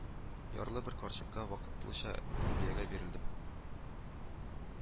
Ярлы бер карчыкка вакытлыча тәрбиягә бирелдем